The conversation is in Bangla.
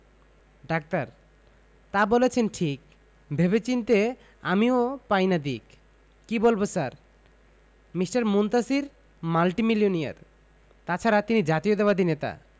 ডাক্তার তা বলেছেন ঠিক ভেবে চিন্তে আমিও পাই না দিক কি বলব স্যার মিঃ মুনতাসীর মাল্টিমিলিওনার তাছাড়া তিনি জাতীয়তাবাদী নেতা